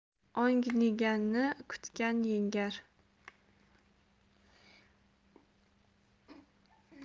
ongniganni kutgan yengar